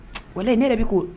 Walahi ne yɛrɛ bɛ ko